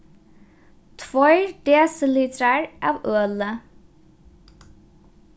tveir dl av øli